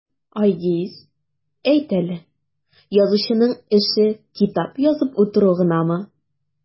Айгиз, әйт әле, язучының эше китап язып утыру гынамы?